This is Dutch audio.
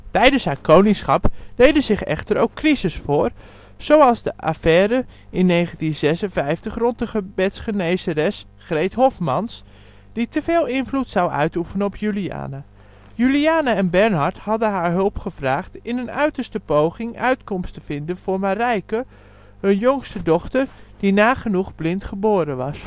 Tijdens haar koningschap deden zich echter ook crises voor zoals de affaire (1956) rond de gebedsgenezeres Greet Hofmans, die te veel invloed zou uitoefenen op Juliana. Juliana en Bernhard hadden haar hulp gevraagd in een uiterste poging uitkomst te vinden voor Marijke, hun jongste dochter, die nagenoeg blind geboren was